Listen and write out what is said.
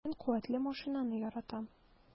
Мин куәтле машинаны яратам.